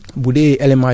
léegi